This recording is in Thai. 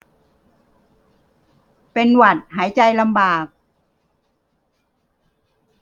เป็นหวัดหายใจลำบาก